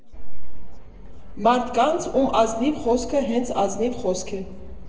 «Մարդկանց, ում ազնիվ խոսքը հենց ազնիվ խոսք է։